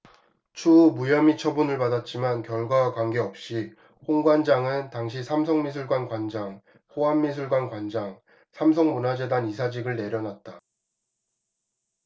추후 무혐의 처분을 받았지만 결과와 관계없이 홍 관장은 당시 삼성미술관 관장 호암미술관 관장 삼성문화재단 이사직을 내려놨다